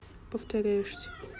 повторяешься